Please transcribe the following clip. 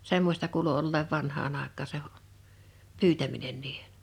semmoista kuului olleen vanhaan aikaan se pyytäminen niiden